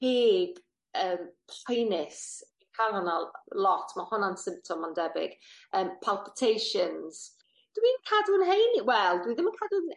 ceg yym poenus. Ca'l hwnna lot ma' hwnna'n symptom ma'b debyg. Yym palpitations. Dwi'n cadw'n heni, wel dwi ddim yn cadw'n